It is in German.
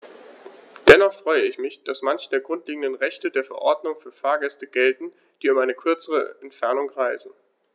Dennoch freue ich mich, dass manche der grundlegenden Rechte der Verordnung für Fahrgäste gelten, die über eine kürzere Entfernung reisen.